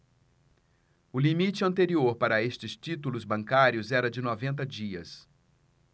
o limite anterior para estes títulos bancários era de noventa dias